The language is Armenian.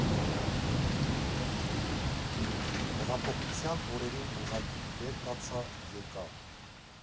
Հեղափոխության օրերին ուղղակի վեր կացա, եկա։